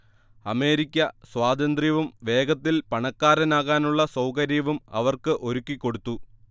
America സ്വാതന്ത്ര്യവും വേഗത്തിൽ പണക്കാരനാകാനുള്ള സൗകര്യവും അവർക്ക് ഒരുക്കിക്കൊടുത്തു